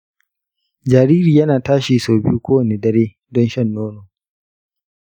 jariri yana tashi sau biyu kowane dare don shan nono.